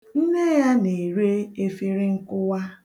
Nne ya na-ere efere nkụwa.